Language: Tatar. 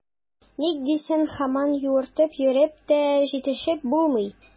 Ник дисәң, һаман юыртып йөреп тә җитешеп булмый.